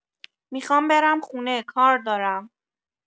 میخوام برم خونه کار دارم.